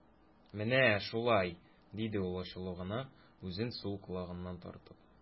Менә шулай, - диде ул ачулы гына, үзен сул колагыннан тартып.